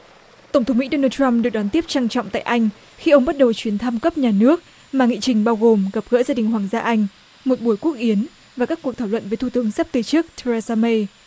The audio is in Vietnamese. tổng thống mỹ đô nờ trăm được đón tiếp trang trọng tại anh khi ông bắt đầu chuyến thăm cấp nhà nước mà nghị trình bao gồm gặp gỡ gia đình hoàng gia anh một buổi quốc yến và các cuộc thảo luận với thủ tướng sắp từ chức thờ rê ra mây